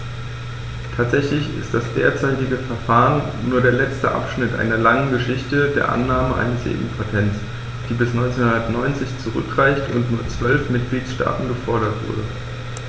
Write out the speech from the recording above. Tatsächlich ist das derzeitige Verfahren nur der letzte Abschnitt einer langen Geschichte der Annahme eines EU-Patents, die bis 1990 zurückreicht und nur von zwölf Mitgliedstaaten gefordert wurde.